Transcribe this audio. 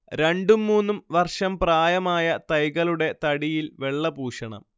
രണ്ടും മൂന്നും വർഷം പ്രായമായ തൈകളുടെ തടിയിൽ വെള്ള പൂശണം